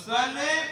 Sirajɛlen